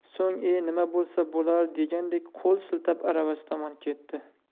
so'ng e nima bo'lsa bo'lar degandek qo'l siltab aravasi tomon ketdi